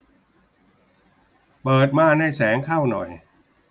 เปิดม่านให้แสงเข้าหน่อย